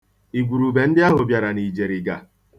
Igwuru ndị ahụ bịara n'ijeriga.